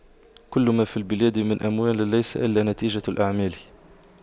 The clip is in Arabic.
كل ما في البلاد من أموال ليس إلا نتيجة الأعمال